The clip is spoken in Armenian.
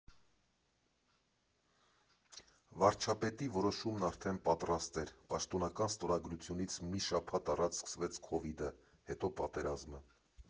Վարչապետի որոշումն արդեն պատրաստ էր, պաշտոնական ստորագրությունից մի շաբաթ առաջ սկսեց քովիդը, հետո՝ պատերազմը։